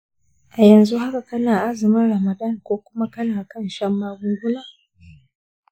a yanzu haka kana azumin ramadan ko kuma kana kan shan magunguna?